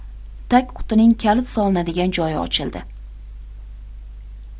tagqutining kalit solinadigan joyi ochildi